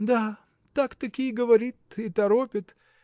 – Да, так-таки и говорит и торопит.